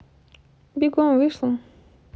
бегом вышла